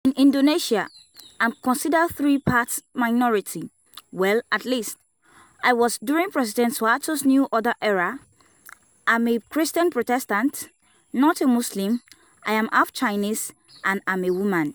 In Indonesia, I'm considered three parts minority — well, at least, I was during President Suharto's New Order era: I'm a Christian Protestant, not a Muslim, I am half Chinese, and I'm a woman.